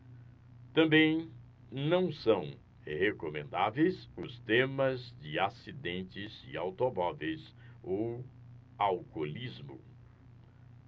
também não são recomendáveis os temas de acidentes de automóveis ou alcoolismo